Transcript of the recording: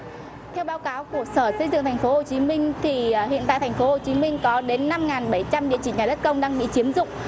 theo báo cáo của sở xây dựng thành phố hồ chí minh thì à hiện tại thành phố hồ chí minh có đến năm ngàn bảy trăm địa chỉ nhà đất công đang bị chiếm dụng